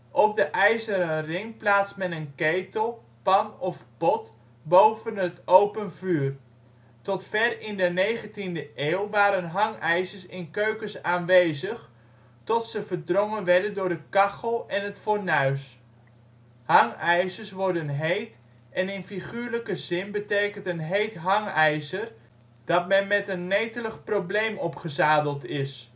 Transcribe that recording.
Op de ijzeren ring plaatst men een ketel, pan of pot boven het open vuur. Tot ver in de 19e eeuw waren hangijzers in keukens aanwezig tot ze verdrongen werden door de kachel en het fornuis. Hangijzers worden heet en in figuurlijke zin betekent een heet hangijzer dat men met een netelig probleem opgezadeld is